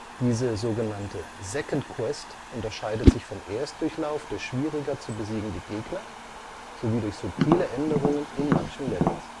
Diese „ Second Quest “unterscheidet sich vom Erstdurchlauf durch schwieriger zu besiegende Gegner sowie durch subtile Änderungen in manchen Levels